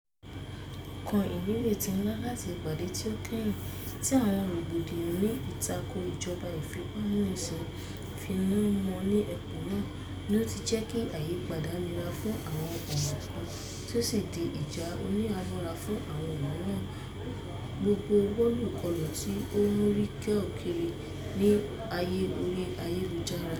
Ọkàn ìnírètí ńlá láti ìpàdé tí ó kẹ́yìn, tí àwọn rògbòdìyàn ní ìtakò ìjọba ìfipámúnisìn fíná mọ́ ní ẹkùn náà, ni ó ti jẹ́ kí àyípadà nira fún àwọn ọ̀ràn kan tí ó sì di ìjà oníhàámọ́ra fún àwọn mìíràn, gbogbo wọ́lù-ǹ-kọlù tí à ń rí kòrókòró ní ayé orí ayélujára.